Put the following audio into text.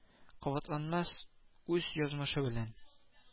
Кабатланмас үз язмышы белән